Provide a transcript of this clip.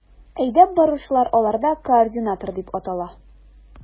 Әйдәп баручылар аларда координатор дип атала.